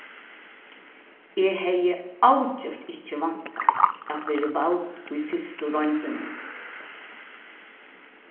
eg hevði avgjørt ikki væntað at verið vald í fyrstu royndini